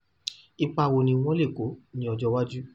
Ipa wo ni wọ́n lè kó ní ọjọ́-iwájú?